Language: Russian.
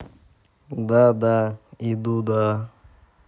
да да и дуда